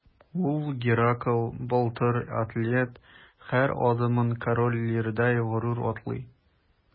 Ул – Геракл, Былтыр, атлет – һәр адымын Король Лирдай горур атлый.